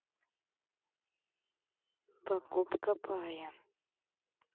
покупка пая